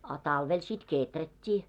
a talvella sitten kehrättiin